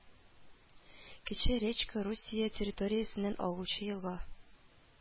Кече Речка Русия территориясеннән агучы елга